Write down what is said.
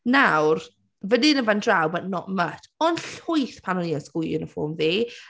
Nawr, fan hyn a fan draw but not much ond llwyth pan o’n i yn school uniform fi.